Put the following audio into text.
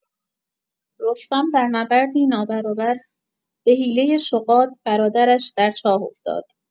رستم درنبردی نابرابر به حیلۀ شغاد، برادرش، در چاه افتاد.